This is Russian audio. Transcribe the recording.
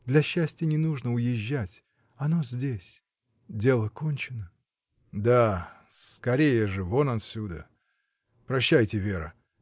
Для счастья не нужно уезжать, оно здесь. Дело кончено. — Да. скорее же вон отсюда! Прощайте, Вера.